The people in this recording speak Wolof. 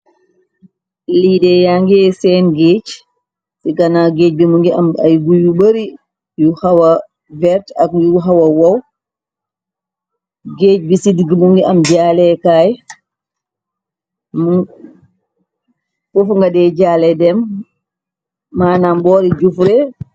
Liidee ya ngee seen géej, ci gana géej bi mu ngi am ay guy yu bari, yu hawa verte, ak yu xawa wow, géej bi ci digg mu ngi am jaaleekaay, 1 g dey jaale dem, maanam boori jufure.